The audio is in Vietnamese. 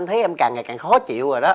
thấy em càng ngày càng khó chịu rồi đó